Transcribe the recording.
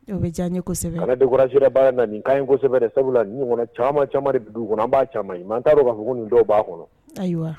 O bɛ diyasɛbɛ ala dekurasi' na'sɛbɛ kosɛbɛ de sabula la caman caman de dugu kɔnɔ b'a n t'a dɔn ka fugu nin dɔw b baa kɔnɔ ayiwa